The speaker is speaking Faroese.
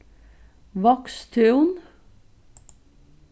vágstún